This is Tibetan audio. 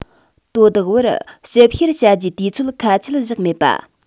དོ བདག བར ཞིབ བཤེར བྱ རྒྱུའི དུས ཚོད ཁ ཆད བཞག མེད པ